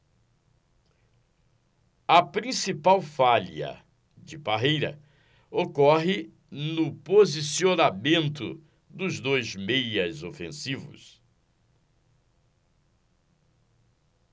a principal falha de parreira ocorre no posicionamento dos dois meias ofensivos